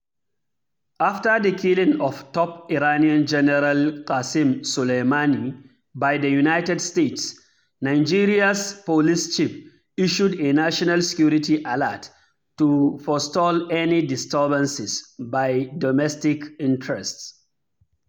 After the killing of top Iranian General Qasem Soleimani, by the United States, Nigeria's police chief issued a national security alert to forestall any disturbances by “domestic interests.”